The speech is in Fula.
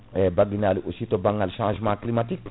e baɗɗinali aussi to banggal changement climatique